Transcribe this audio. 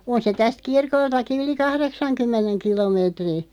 on se tästä kirkoltakin yli kahdeksankymmenen kilometrin